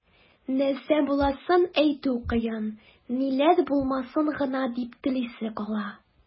Нәрсә буласын әйтү кыен, ниләр булмасын гына дип телисе кала.